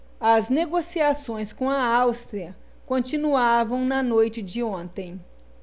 as negociações com a áustria continuavam na noite de ontem